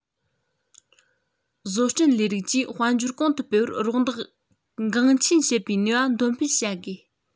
བཟོ སྐྲུན ལས རིགས ཀྱིས དཔལ འབྱོར གོང དུ སྤེལ བར རོགས འདེགས འགངས ཆེན བྱེད པའི ནུས པ འདོན སྤེལ བྱ དགོས